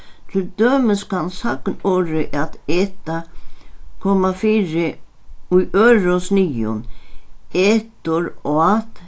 til dømis kann sagnorðið at eta koma fyri í øðrum sniðum etur át